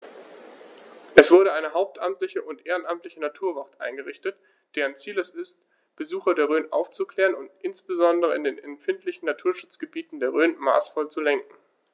Es wurde eine hauptamtliche und ehrenamtliche Naturwacht eingerichtet, deren Ziel es ist, Besucher der Rhön aufzuklären und insbesondere in den empfindlichen Naturschutzgebieten der Rhön maßvoll zu lenken.